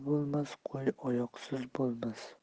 qo'y oqsoqsiz bo'lmas